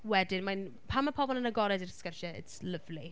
wedyn mae’n... pan mae pobl yn agored i'r sgyrsiau, it's lovely.